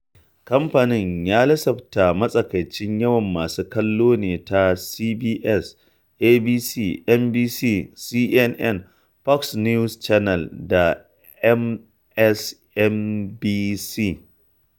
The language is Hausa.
Kamfanin ya lasafta matsakaicin yawan masu kallo ne ta CBS, ABC, NBC, CNN, Fox News Channel da MSNBC.